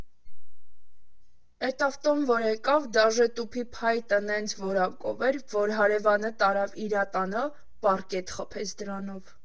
Էտ ավտոն, որ էկավ, դաժե տուփի փայտը նենց որակով էր, որ հարևանը տարավ իրա տանը պառկետ խփեց դրանով։